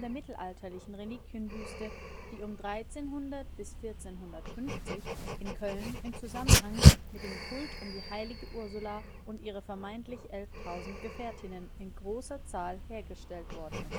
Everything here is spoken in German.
mittelalterlichen Reliquienbüste, die um 1300 bis 1450 in Köln im Zusammenhang mit dem Kult um die Heilige Ursula und ihre vermeintlich 11.000 Gefährtinnen in großer Zahl hergestellt worden